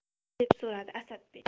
deb so'radi asadbek